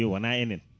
ɗi wona enen